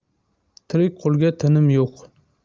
tirik qulga tinim yo'q